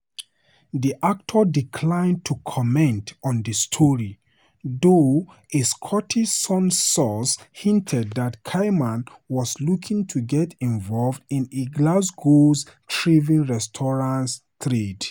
The actor declined to comment on the story, though a Scottish Sun source hinted that Kiernan was looking to get involved in Glasgow's "thriving restaurant trade."